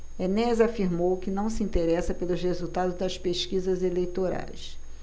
enéas afirmou que não se interessa pelos resultados das pesquisas eleitorais